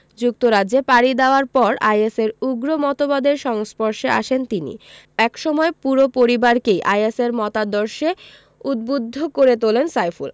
যুক্তরাজ্যে পাড়ি দেওয়ার পরই আইএসের উগ্র মতবাদের সংস্পর্শে আসেন তিনি একসময় পুরো পরিবারকেই আইএসের মতাদর্শে উদ্বুদ্ধ করে তোলেন সাইফুল